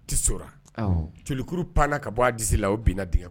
Tɛ tukuru pan ka bɔ a di la o binina d